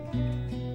Hɛrɛ